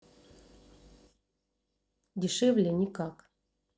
дешевле никак